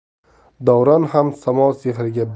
davron ham samo sehriga